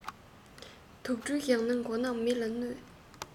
དུག སྦྲུལ བཞག ན མགོ ནག མི ལ གནོད